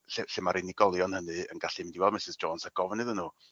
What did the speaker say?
lle lle ma'r unigolion hynny yn gallu mynd i weld Misys Jones a gofyn iddyn n'w